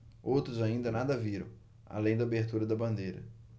outros ainda nada viram além da abertura da bandeira